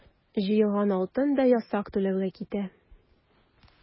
Җыелган алтын да ясак түләүгә китә.